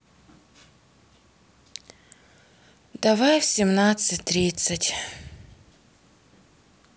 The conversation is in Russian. давай в семнадцать тридцать